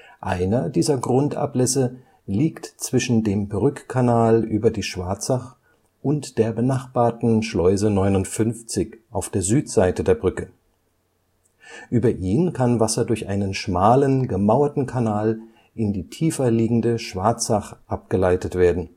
Einer dieser Grundablässe liegt zwischen dem Brückkanal über die Schwarzach und der benachbarten Schleuse 59 auf der Südseite der Brücke. Über ihn kann Wasser durch einen schmalen, gemauerten Kanal in die tiefer liegende Schwarzach abgeleitet werden